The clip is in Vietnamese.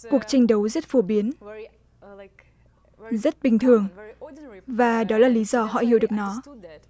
cuộc tranh đấu rất phổ biến rất bình thường và đó là lý do họ hiểu được nó